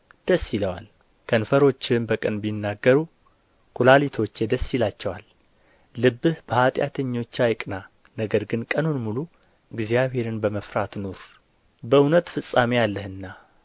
ደስ ይላቸዋል ልብህ በኃጢአተኞች አይቅና ነገር ግን ቀኑን ሙሉ እግዚአብሔርን በመፍራት ኑር በእውነት ፍጻሜ አለህና